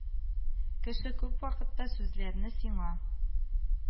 Кеше күп вакытта сүзләрне сиңа